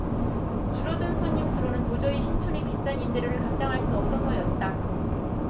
줄어든 손님 수로는 도저히 신촌의 비싼 임대료를 감당할 수 없어서였다